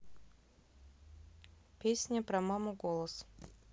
песня про маму голос